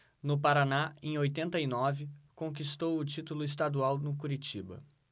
no paraná em oitenta e nove conquistou o título estadual no curitiba